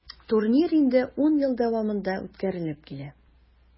Турнир инде 10 ел дәвамында үткәрелеп килә.